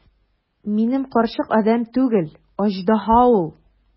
Минем карчык адәм түгел, аждаһа ул!